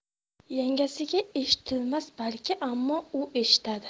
yangasiga eshitilmas balki ammo u eshitadi